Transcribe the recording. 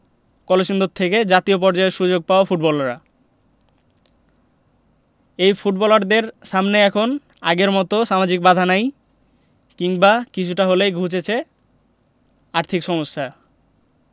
কলসিন্দুর থেকে জাতীয় পর্যায়ে সুযোগ পাওয়া ফুটবলাররা এই ফুটবলারদের সামনে এখন আগের মতো সামাজিক বাধা নেই কিংবা কিছুটা হলেও ঘুচেছে আর্থিক সমস্যা